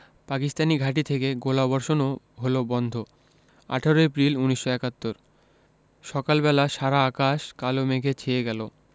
পাকিস্তানি ঘাঁটি থেকে গোলাবর্ষণও হলো বন্ধ ১৮ এপ্রিল ১৯৭১ সকাল বেলা সারা আকাশ কালো মেঘে ছেয়ে গেল